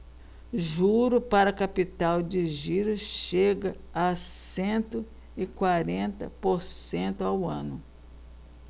juro para capital de giro chega a cento e quarenta por cento ao ano